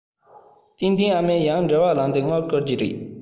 ཏན ཏན ཨ མས ཡང བྲེལ བ ལངས ཏེ དངུལ བསྐུར དགོས ཀྱི རེད